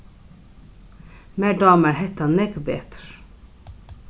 mær dámar hetta nógv betur